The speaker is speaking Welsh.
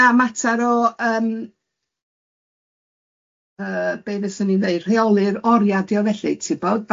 Na, mater o yym yy be fyswn i'n ddeud rheoli'r oriau dio felly tibod?